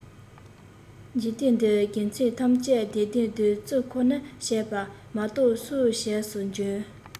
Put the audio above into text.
འཇིག རྟེན འདིའི དགེ མཚན ཐམས ཅད བདེ ལྡན བདུད རྩི ཁོ ནས བྱས པ མ གཏོགས སུས བྱས སུས འཇོན